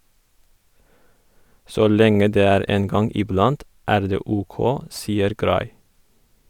- Så lenge det er en gang iblant, er det OK, sier Gray.